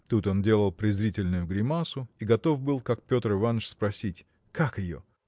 Тут он делал презрительную гримасу и готов был как Петр Иваныч спросить как ее?